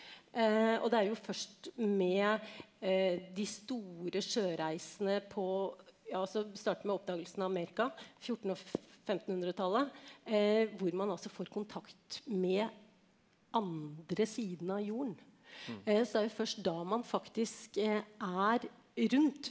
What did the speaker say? og det er jo først med de store sjøreisene på ja altså i starten med oppdagelsen av Amerika fjorten- og femtenhundretallet hvor man altså får kontakt med andre siden av jorden, så det er jo først da man faktisk er rundt.